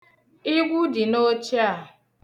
Igwu dị n'oche a.